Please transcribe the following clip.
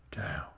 Dew!